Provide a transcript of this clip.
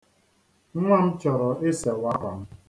Nwa m chọrọ isewa akwa m.